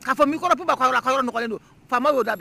Ka fɔ min kɔrɔpi nɔgɔlen don faama y'o da